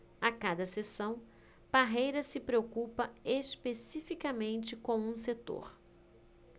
a cada sessão parreira se preocupa especificamente com um setor